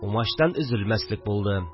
Умачтан өзелмәслек булды